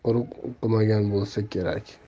quruq o'qimagan bo'lsa kerak